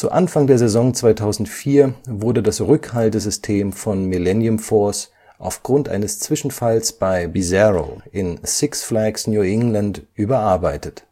Anfang der Saison 2004 wurde das Rückhaltesystem von Millennium Force aufgrund eines Zwischenfalls bei Bizarro in Six Flags New England überarbeitet